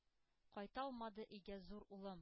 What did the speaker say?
Кайталмады өйгә зур улым,